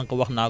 très bien